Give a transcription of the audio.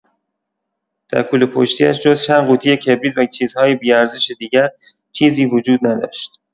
در کوله‌پشتی‌اش جز چند قوطی کبریت و چیزهای بی‌ارزش دیگر، چیزی وجود نداشت.